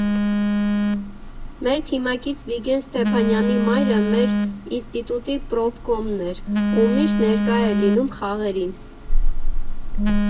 Մեր թիմակից Վիգեն Ստեփանյանի մայրը մեր ինստիտուտի պրոֆկոմն էր ու միշտ ներկա էր լինում խաղերին։